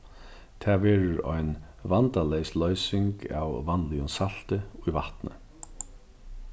tað verður ein vandaleys loysing av vanligum salti í vatni